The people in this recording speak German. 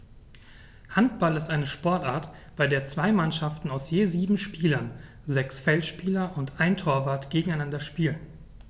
Handball ist eine Sportart, bei der zwei Mannschaften aus je sieben Spielern (sechs Feldspieler und ein Torwart) gegeneinander spielen.